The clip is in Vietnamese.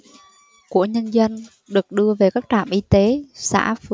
của nhân dân được đưa về các trạm y tế xã